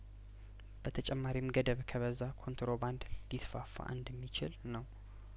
በተጨማሪም ገደብ ከበዛ ኮንትሮባንድ ሊስፋፋ እንደሚችል ነው